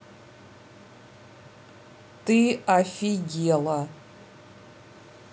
ты офигела